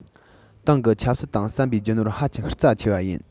ཏང གི ཆབ སྲིད དང བསམ པའི རྒྱུ ནོར ཧ ཅང རྩ ཆེ བ ཡིན